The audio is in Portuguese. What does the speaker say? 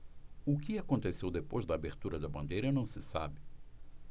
o que aconteceu depois da abertura da bandeira não se sabe